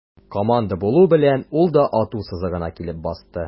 Команда булу белән, ул да ату сызыгына килеп басты.